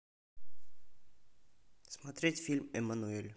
смотреть фильм эммануэль